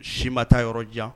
Siba taa yɔrɔ jan